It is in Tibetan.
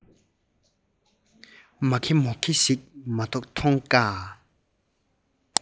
མ གེ མོག གེ ཞིག མ གཏོགས མཐོང དཀའ